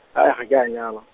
a ye ga ke a nyala.